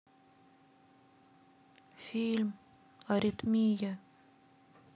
фильм аритмия